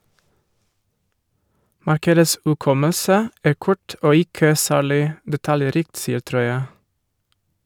- Markedets hukommelse er kort og ikke særlig detaljrikt, sier Troye.